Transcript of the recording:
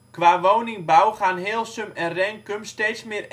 Qua woningbouw gaan Heelsum en Renkum steeds meer